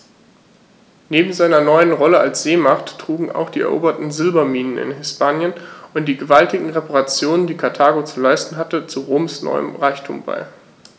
Neben seiner neuen Rolle als Seemacht trugen auch die eroberten Silberminen in Hispanien und die gewaltigen Reparationen, die Karthago zu leisten hatte, zu Roms neuem Reichtum bei.